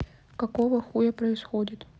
какого хуя происходит